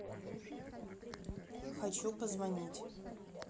хочу позвонить